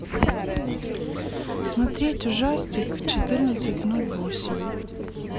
смотреть ужастик четырнадцать ноль восемь